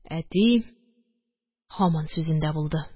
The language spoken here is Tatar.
Әти һаман сүзендә булды